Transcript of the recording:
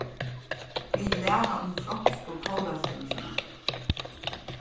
vit læra um fronsku kollveltingina